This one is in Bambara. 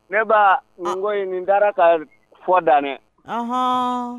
Ne ba nin ko in nin taara ka fɔ dan dɛ.